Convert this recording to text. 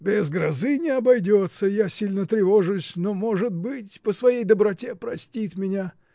— Без грозы не обойдется, я сильно тревожусь, но, может быть, по своей доброте, простит меня.